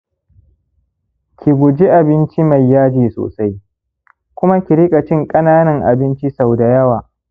ki guji abinci mai yaji sosai, kuma ki riƙa cin ƙananan abinci sau da yawa.